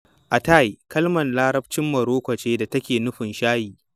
Atay kalmar Larabcin Morocco ce da take nufin shayi.